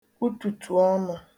utùtùọnụ̄